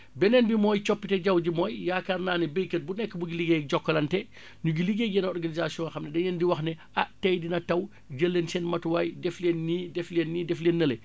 beneen bi mooy coppite jaww ji mooy yaakaar naa ne baykat bu nekk mu ngi liggéey ak jokalante mi ngi liggéey ak yeneen organisation yoo xam dañu leen di wax ne ah tay dina taw jël leen seen matuwaay def leen nii def leen nii def leen nële